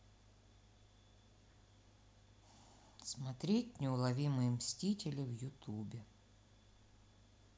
смотреть неуловимые мстители в ютубе